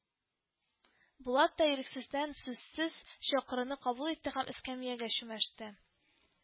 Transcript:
Булат та ирексездән сүзсез чакыруны кабул итте һәм эскәмиягә чүмәште